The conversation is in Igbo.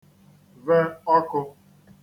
ve ọkụ̄